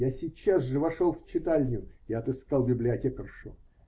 Я сейчас же вошел в читальню и отыскал библиотекаршу.